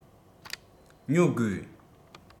ཉོ དགོས